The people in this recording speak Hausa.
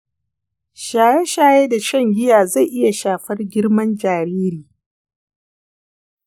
shaye shaye da shan giya zai iya shafar girman jariri